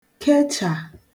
kechà